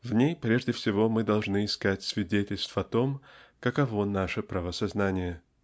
В ней прежде всего мы должны искать свидетельств о том каково наше правосознание.